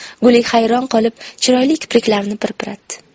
guli hayron qolib chiroyli kipriklarini pirpiratdi